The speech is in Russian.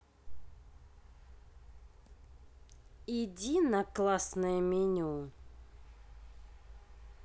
иди на классное меню